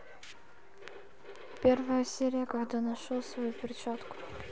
первая серия когда нашел свою перчатку